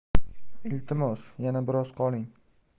iltimos yana biroz qoling